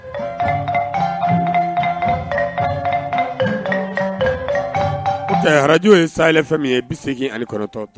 Ararakajo ye sa fɛn min ye bɛ segin ali kɔrɔtɔ